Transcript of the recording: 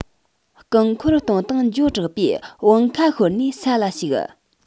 རྐང འཁོར གཏོང སྟངས མགྱོགས དྲགས པས བང ཁ ཤོར ནས ས ལ དབྱུགས